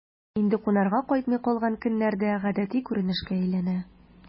Инде кунарга кайтмый калган көннәр дә гадәти күренешкә әйләнә...